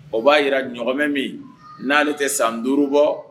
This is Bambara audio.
O b'a jira ɲmɛ min n'a de tɛ san duuru bɔ